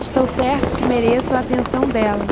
estou certo que mereço atenção dela